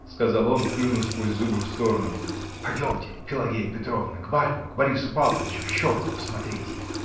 — сказал он, плюнув сквозь зубы в сторону, — пойдемте, Пелагея Петровна, к барину, к Борису Павловичу, в щелку посмотреть